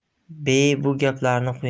be bu gaplarni qo'ying